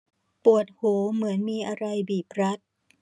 ปวดหูเหมือนมีอะไรบีบรัด